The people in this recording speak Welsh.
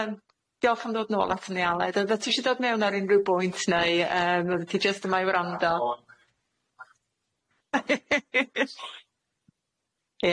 Yym diolch am dod nôl aton ni Aled, o'dda tisio dod mewn ar unrhyw bwynt neu yym oeddet ti jyst yma i wrando? Ia.